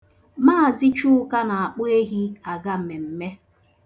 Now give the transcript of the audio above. Mazi Chuka na-akpụ ehi aga mmemme